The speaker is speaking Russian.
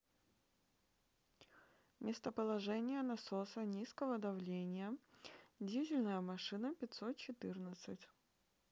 местоположение насоса низкого давления дизельная машина пятьсот четырнадцать